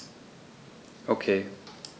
Okay.